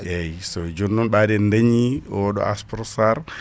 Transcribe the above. eyyi jooni non ɓaada en dañi oɗo aprostar